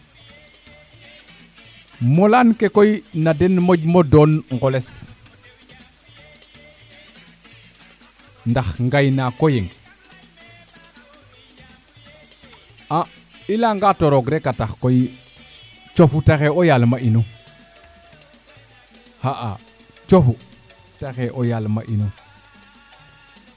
melaan ke koy na den moƴ mo doon ngoles ndax ngay nako yeng a i leya nga to roog reka tax koy cofu taxe o yaal ma inu xa'a cofu taxe o yaal ma inu